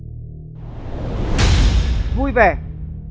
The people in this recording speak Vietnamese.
là vui vẻ